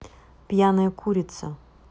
пьяная курица